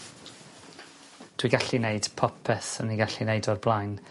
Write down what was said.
Dwi gallu wneud popeth o'n i gallu neud o'r blaen.